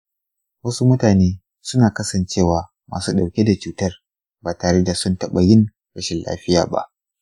wasu mutane suna kasancewa masu ɗauke da cutar ba tare da sun taɓa yin rashin lafiya ba.